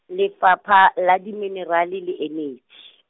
Lefapha la Diminerale le Eneji.